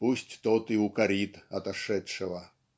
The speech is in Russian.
пусть тот и укорит отошедшего".